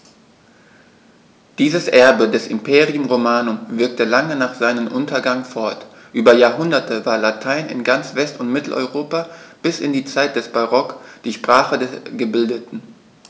Dieses Erbe des Imperium Romanum wirkte lange nach seinem Untergang fort: Über Jahrhunderte war Latein in ganz West- und Mitteleuropa bis in die Zeit des Barock die Sprache der Gebildeten.